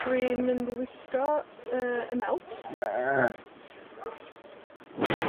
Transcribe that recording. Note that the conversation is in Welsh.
Dwi'n mynd i wisgo yy, 'ym melt.